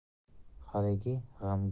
haligi g'amgin o'y